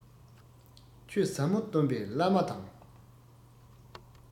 ཆོས ཟབ མོ སྟོན པའི བླ མ དང